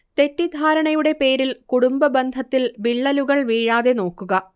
തെറ്റിധാരണയുടെ പേരിൽ കുടുംബബന്ധത്തിൽ വിള്ളലുകൾ വീഴാതെ നോക്കുക